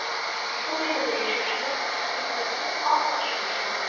Республикада яшәүчеләр икмәкне аз ашый башлаган